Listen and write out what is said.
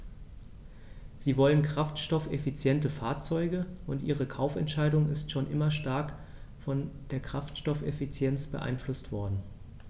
Sie wollen kraftstoffeffiziente Fahrzeuge, und ihre Kaufentscheidung ist schon immer stark von der Kraftstoffeffizienz beeinflusst worden.